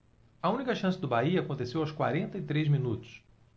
a única chance do bahia aconteceu aos quarenta e três minutos